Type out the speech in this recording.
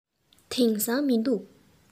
དེང སང མི འདུག